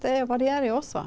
det varierer jo også.